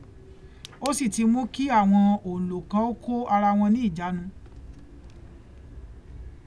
ó sì ti mú kí àwọn òǹlò kan ó kó ara wọn ní ìjánu.